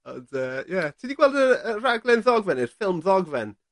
Ond yy ie ti 'di gweld y y raglen ddogfen ne'r ffilm ddogfen?